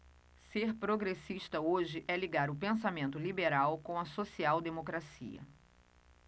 ser progressista hoje é ligar o pensamento liberal com a social democracia